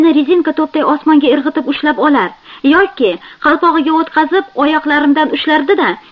meni rezinka to'pday osmonga irg'itib ushlab olar yoki qalpog'iga o'tqazib oyoqlarimdan ushlardi da